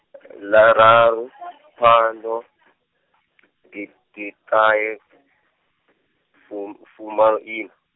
ḽa raru , phando, giditahefu- -fumaloina.